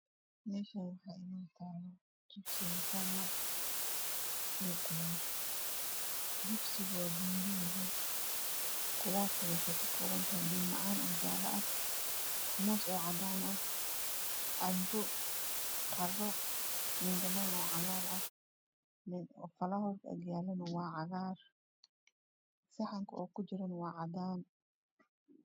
Meshaanw wxaa inoo yalo jipsi ama salar iyo qudaar jipsiga wa gaduudan yahy qudaartana waxey kakoopantahy liin macaan oo jaalo ah moos oo cadaan ah canpo qaro liin dhaan oo cagar ah faalawarka agyaalana waa cagaar saxanka uu ku jirana wa cadaan